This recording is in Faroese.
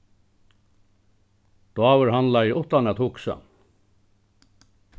dávur handlaði uttan at hugsa